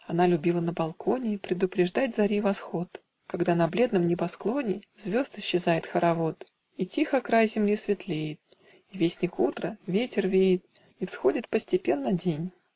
Она любила на балконе Предупреждать зари восход, Когда на бледном небосклоне Звезд исчезает хоровод, И тихо край земли светлеет, И, вестник утра, ветер веет, И всходит постепенно день.